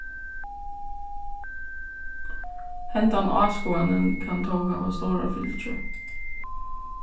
hendan áskoðanin kann tó hava stórar fylgjur